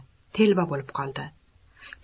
telba bo'lib qoldi